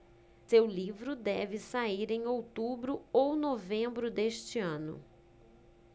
seu livro deve sair em outubro ou novembro deste ano